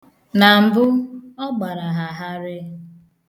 Na mbụ, ọ gbara ha gharịị.